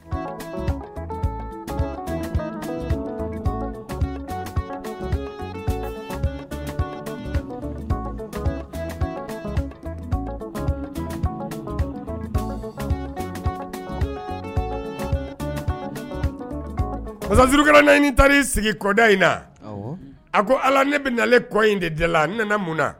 Sonsan surukɛnɛla n ka taa ii sigi kɔda in na a ko ala ne bɛ nalen kɔ in de jala la ne nana mun na